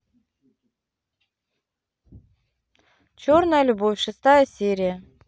черная любовь шестая серия